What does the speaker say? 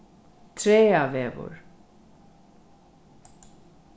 traðavegur